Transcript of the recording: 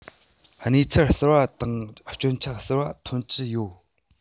གནས ཚུལ གསར པ དང སྐྱོན ཆ གསར པ ཐོན གྱི ཡོད